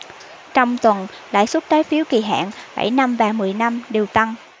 trong tuần lãi suất trái phiếu kỳ hạn bảy năm và mười năm đều tăng